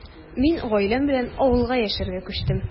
Мин гаиләм белән авылга яшәргә күчтем.